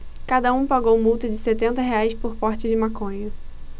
cada um pagou multa de setenta reais por porte de maconha